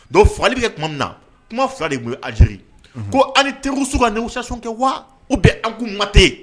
Don fagali bɛ kɛ tuma min na kuma fila de tun azri ko ani teri su ka ni sason kɛ wa u bɛ an kun matɛ